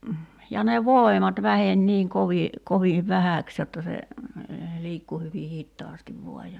ja ne voimat väheni niin kovin kovin vähäksi jotta se liikkui hyvin hitaasti vain ja